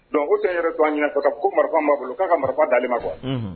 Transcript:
Don o tɛ yɛrɛ don ɲɛna ka ko marifa maa bolo k' ka marifa dalen ma bɔ